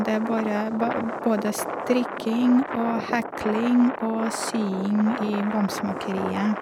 Det er bare ba både strikking og hekling og sying i bamsemakeriet.